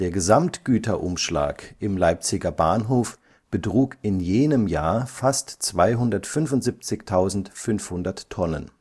Gesamtgüterumschlag im Leipziger Bahnhof betrug in jenem Jahr fast 275.500